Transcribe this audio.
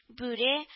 Бүре